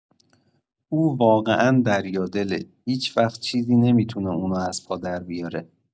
اون واقعا دریادله، هیچ‌وقت چیزی نمی‌تونه اونو از پا دربیاره.